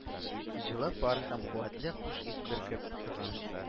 Җылы пар һәм куатле хуш ис бөркеп торган